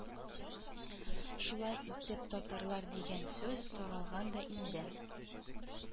Шулай итеп татарлар дигән сүз таралган да инде